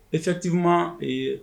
E fati ma ee